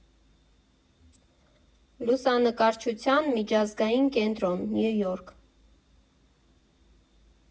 Լուսանկարչության միջազգային կենտրոն, Նյու Յորք։